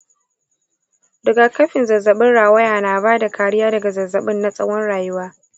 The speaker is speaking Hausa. rigakafin zazzabin rawaya na ba da kariya daga zazzabin na tsawon rayuwa.